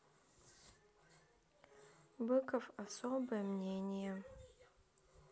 быков особое мнение